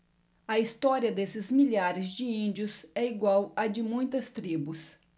a história desses milhares de índios é igual à de muitas tribos